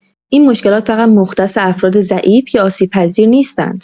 این مشکلات فقط مختص افراد «ضعیف» یا «آسیب‌پذیر» نیستند.